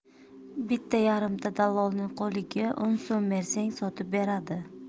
bitta yarimta dallolning qo'liga o'n so'm bersang sotib beradi